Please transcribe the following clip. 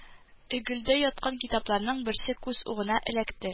Оггэлдә яткан китапларның берсе күз угына эләкте